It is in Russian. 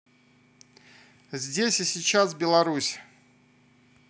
здесь и сейчас беларусь